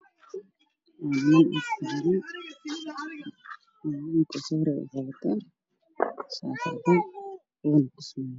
Waa niman meel fadhiya miis ayaa hor yaalla waxaa saaran cunto nin ayaa afka kala hayo